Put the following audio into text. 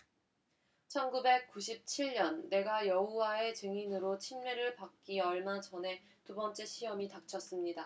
천 구백 구십 칠 년 내가 여호와의 증인으로 침례를 받기 얼마 전에 두 번째 시험이 닥쳤습니다